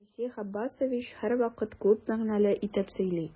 Фәйзи Габбасович һәрвакыт күп мәгънәле итеп сөйли.